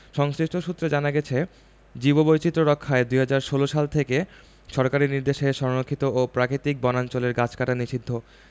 সংশ্লিষ্ট সূত্রে জানা গেছে জীববৈচিত্র্য রক্ষায় ২০১৬ সাল থেকে সরকারি নির্দেশে সংরক্ষিত ও প্রাকৃতিক বনাঞ্চলের গাছ কাটা নিষিদ্ধ